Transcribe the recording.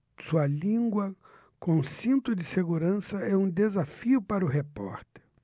sua língua com cinto de segurança é um desafio para o repórter